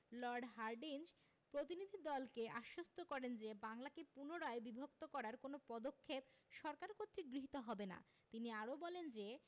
Lord Hardinge প্রতিনিধিদলকে আশ্বস্ত করেন যে বাংলাকে পুনরায় বিভক্ত করার কোনো পদক্ষেপ সরকার কর্তৃক গৃহীত হবে না তিনি আরও বলেন যে